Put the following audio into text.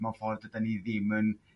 mewn ffor' dyda ni ddim yn